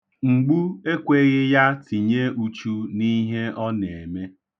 Mgbu ekweghị ya tinye uchu n'ihe ọ na-eme.